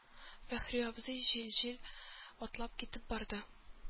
Фәхри абзый җил-җил атлап китеп барды.